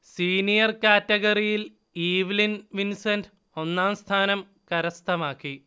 senior കാറ്റഗറിയിൽ Evelyn Vincent ഒന്നാം സ്ഥാനം കരസ്ഥമാക്കി